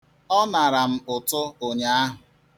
Ọ nara m ụtụ ụnyaahụ.